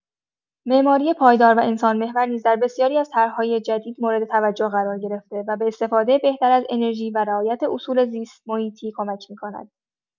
معماری پایدار و انسان‌محور نیز در بسیاری از طرح‌های جدید مورد توجه قرار گرفته و به استفاده بهتر از انرژی و رعایت اصول زیست‌محیطی کمک می‌کند.